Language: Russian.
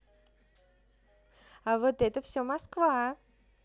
а вот это все москва